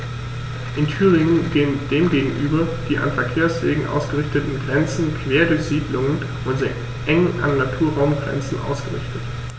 In Thüringen gehen dem gegenüber die an Verkehrswegen ausgerichteten Grenzen quer durch Siedlungen und sind eng an Naturraumgrenzen ausgerichtet.